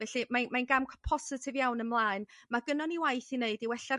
felly mai'n mai'n gam positif iawn ymlaen ma' gyno ni waith i 'neud i wella'r